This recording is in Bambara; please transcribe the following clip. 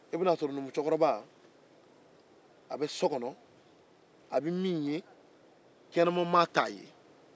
i bɛ n'a sɔrɔ numu cɛkɔrɔba bɛ so kɔnɔ a bɛ min ye kɛnɛmamaa t'a ye